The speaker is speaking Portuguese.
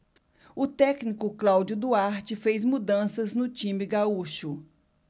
o técnico cláudio duarte fez mudanças no time gaúcho